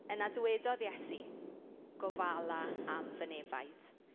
Yna dywedodd Iesu gofala am fy nefaid.